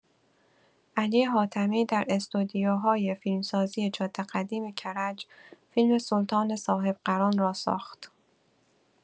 علی حاتمی در استودیوهای فیلمسازی جاده قدیم کرج فیلم سلطان صاحبقران را ساخت.